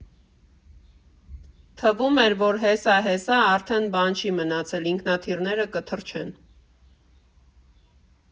Թվում էր, որ հեսա֊հեսա, արդեն բան չի մնացել, ինքնաթիռները կթռչեն։